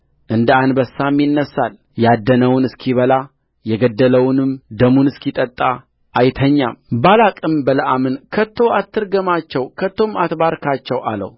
እንደ አንበሳም ይነሣልያደነውን አስኪበላየገደለውንም ደሙን እስኪጠጣ አይተኛምባላቅም በለዓምን ከቶ አትርገማቸው ከቶም አትባርካቸው አለው